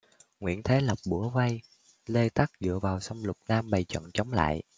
nguyễn thế lộc bủa vây lê tắc dựa vào sông lục nam bày trận chống lại